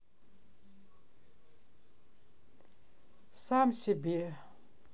сам себе